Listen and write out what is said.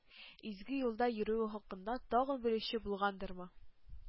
Изге юлда йөрүе хакында тагын белүче булгандырмы,